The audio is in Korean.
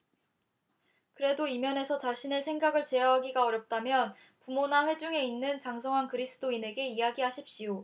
그래도 이 면에서 자신의 생각을 제어하기가 어렵다면 부모나 회중에 있는 장성한 그리스도인에게 이야기하십시오